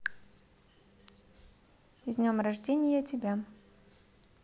с днем рождения тебя